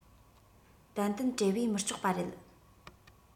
ཏན ཏན བྲེལ བས མི ལྕོགས པ རེད